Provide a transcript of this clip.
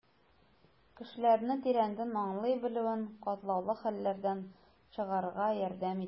Кешеләрне тирәнтен аңлый белүең катлаулы хәлләрдән чыгарга ярдәм итәр.